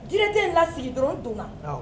Jiriden in lasigi dɔrɔn dun ma